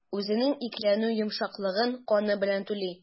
Үзенең икеләнү йомшаклыгын каны белән түли.